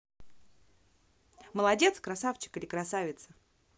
молодец красавчик или красавица